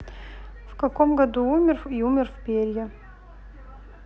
в каком году умер и умер в перья